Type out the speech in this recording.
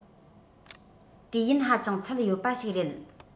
དུས ཡུན ཧ ཅང ཚད ཡོད པ ཞིག རེད